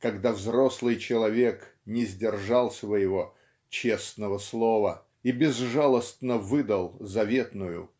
когда взрослый человек не сдержал своего "честного слова" и безжалостно выдал заветную